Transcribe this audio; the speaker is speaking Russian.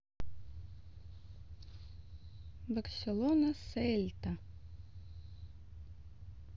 барселона сельта